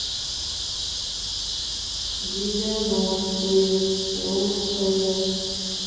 девяностые русская